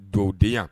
To di yan